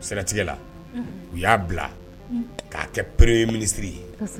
U seratigɛla u y'a bila k'a kɛ p peere ye minisiriri ye